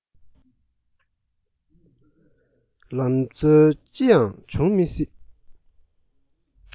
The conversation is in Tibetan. ལམ འཛོལ ཅི ཡང བྱུང མི སྲིད